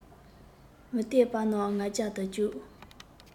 མུ སྟེགས པ རྣམས ང རྒྱལ དུ བཅུག